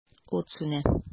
Ут сүнә.